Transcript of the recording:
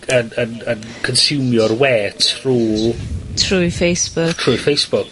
yn yn yn consumio'r we trw... Trwy Facebook. ...trwy Facebook.